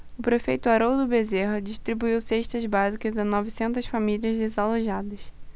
o prefeito haroldo bezerra distribuiu cestas básicas a novecentas famílias desalojadas